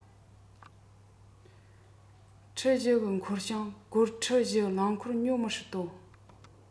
ཁྲི ༤ ཀྱི འཁོར བྱང སྒོར ཁྲི ༤ རླངས འཁོར ཉོ མི སྲིད དོ